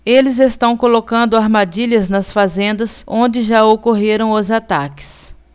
eles estão colocando armadilhas nas fazendas onde já ocorreram os ataques